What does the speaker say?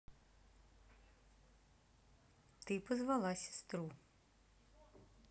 ты позвала сестру